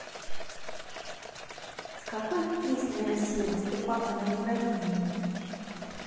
с какой песней россия выступала на евровидении